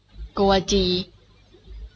โกวาจี